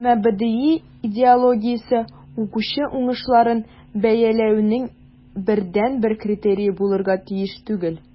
Әмма БДИ идеологиясе укучы уңышларын бәяләүнең бердәнбер критерие булырга тиеш түгел.